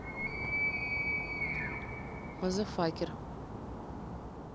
мазафакер